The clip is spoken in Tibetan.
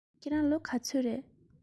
ཁྱེད རང ལོ ག ཚོད རེད